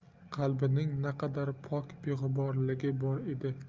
qalbining naqadar pok beg'uborligi bor edi